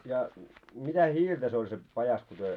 ja mitä hiiltä se oli se pajassa kun te